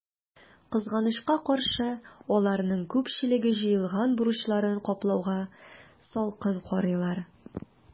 Кызганычка каршы, аларның күпчелеге җыелган бурычларын каплауга салкын карыйлар.